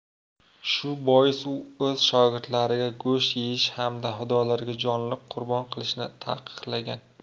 shu bois u o'z shogirdlariga go'sht yeyish hamda xudolarga jonliq qurbon qilishni taqiqlagan